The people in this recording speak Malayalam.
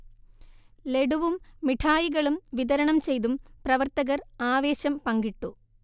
ലഡുവും മിഠായികളും വിതരണംചെയ്തും പ്രവർത്തകർ ആവേശം പങ്കിട്ടു